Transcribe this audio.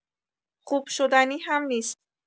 خوب‌شدنی هم نیست.